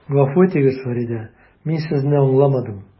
Гафу итегез, Фәридә, мин Сезне аңламадым.